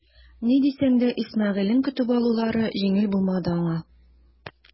Ни дисәң дә Исмәгыйлен көтеп алулары җиңел булмады аңа.